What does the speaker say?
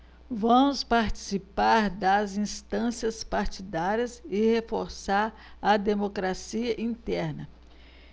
vamos participar das instâncias partidárias e reforçar a democracia interna